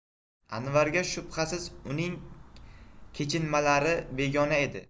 anvarga shubhasiz uning kechinmalari begona edi